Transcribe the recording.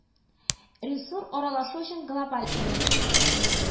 Ресур аралашу өчен глобаль урын